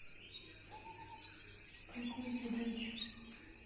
какую задачку